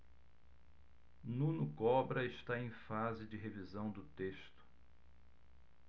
nuno cobra está em fase de revisão do texto